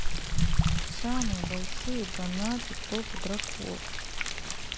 самые большие донаты топ игрокам